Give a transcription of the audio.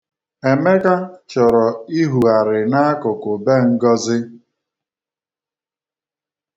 Emeka chọrọ ihugharị n'akụkụ be Ngozi.